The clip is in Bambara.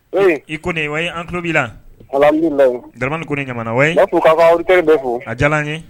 I Kone wayi an tulo b'i la. Alhamdulilahi Daramane Kone ɲamana wayi . Nb'aw fo ka aw ka auditeurs bɛɛ fo. A diyara an ye.